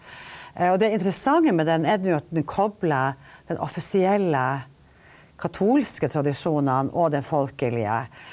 og det interessante med den er nå at den kobler den offisielle katolske tradisjonene og den folkelige.